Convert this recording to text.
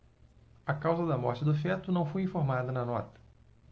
a causa da morte do feto não foi informada na nota